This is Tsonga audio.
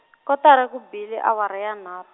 kotara ku bile awara ya nharhu.